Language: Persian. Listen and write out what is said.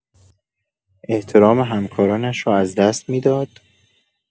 احترام همکارانش را از دست می‌داد؟